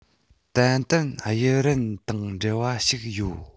ཏན ཏན དབྱི རན དང འབྲེལ བ ཞིག ཡོད